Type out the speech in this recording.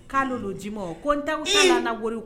K'ale de y'o di ma ko n tɛ